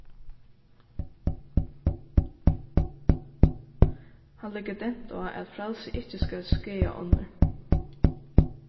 hann leggur dent á at frælsið ikki skal gera skaða á onnur